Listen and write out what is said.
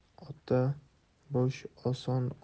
ota bo'hsh oson